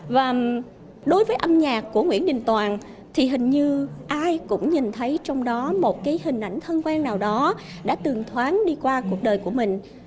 và đối với âm nhạc của nguyễn đình toàn thì hình như ai cũng nhìn thấy trong đó một cái hình ảnh thân quen nào đó đã từng thoáng đi qua cuộc đời của mình